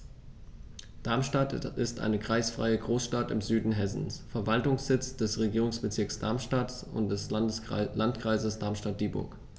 Darmstadt ist eine kreisfreie Großstadt im Süden Hessens, Verwaltungssitz des Regierungsbezirks Darmstadt und des Landkreises Darmstadt-Dieburg.